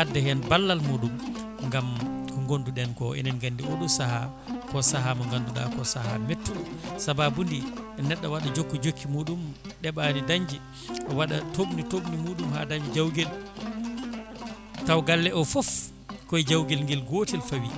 adda hen ballal muɗum gaam ko gonduɗen ko enen gandi oɗo saaha ko saaha mo ganduɗa ko saaha mettuɗo sababude neɗɗo waɗa jokku jokki muɗum ɗeɓani dañje waɗa tobni tobni muɗum ha daña jawguel taw galle o foof koye jawguel nguel gotel fawi